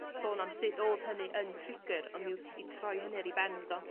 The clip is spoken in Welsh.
sôn am sut odd hynny yn trigger ond mi wyt ti 'di troi hynny ar 'i ben do?